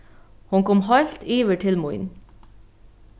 hon kom heilt yvir til mín